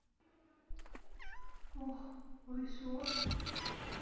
oh this wars